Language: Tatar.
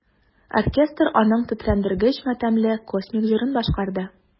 Оркестр аның тетрәндергеч матәмле космик җырын башкарды.